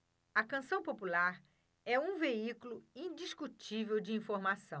a canção popular é um veículo indiscutível de informação